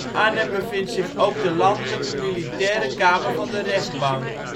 Arnhem bevindt zich ook de landelijke militaire kamer van de rechtbank